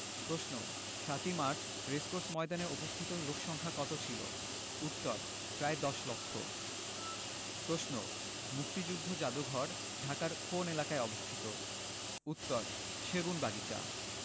প্রশ্ন ৭ই March racecourse ময়দানে উপস্থিত লোকসংক্ষা কত ছিলো উত্তর প্রায় দশ লক্ষ প্রশ্ন মুক্তিযুদ্ধ যাদুঘর ঢাকার কোন এলাকায় অবস্থিত উত্তরঃ সেগুনবাগিচা